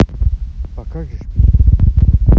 покажешь письку